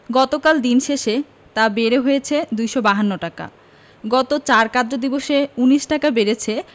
গতকাল দিন শেষে তা বেড়ে হয়েছে ২৫২ টাকা গত ৪ কার্যদিবসে ১৯ টাকা বেড়েছে